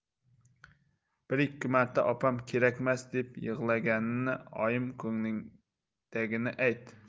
bir ikki marta opam kerakmas deb yig'laganini oyim ko'nglingdagini ayt